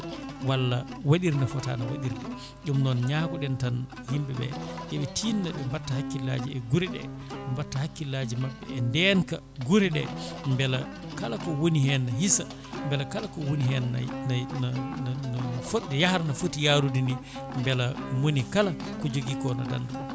walla waɗira no footano waɗirde ɗum noon ñaago ɗen tan yimɓeɓe yooɓe tinno ɓe mbatta hakkillaji e guure ɗe mbatta hakkilaji mabɓe e ndenka guure ɗe beela kala ko woni hen ne hiisa beela kala ko woni hen ne ne na na ne yaara no footi yarude ni beela monikala ko joogui ko ne danda ɗum